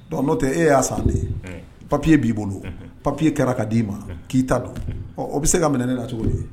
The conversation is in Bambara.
Don n'o tɛ e y'a sanden papiye b'i bolo papiye kɛra ka d'i ma k'i ta dɔn o bɛ se ka minɛ ne la cogo ye